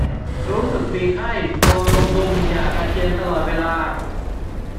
รู้สึกมีไข้ตัวรุมรุมอยากอาเจียนตลอดเวลา